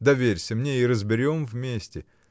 Доверься мне, и разберем вместе.